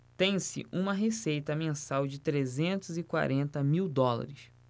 tem-se uma receita mensal de trezentos e quarenta mil dólares